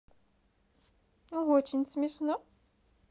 очень смешно